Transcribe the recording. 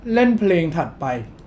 เล่นเพลงถัดไป